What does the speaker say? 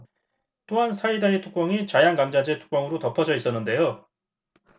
또한 사이다의 뚜껑이 자양강장제 뚜껑으로 덮어져 있었는데요